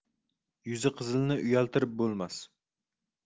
yuzi qizilni uyaltirib bo'lmas